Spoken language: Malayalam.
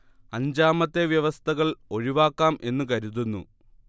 അഞ്ചാമത്തെ വ്യവസ്ഥകൾ ഒഴിവാക്കാം എന്നു കരുതുന്നു